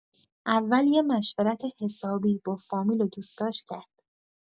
اول یه مشورت حسابی با فامیل و دوستاش کرد.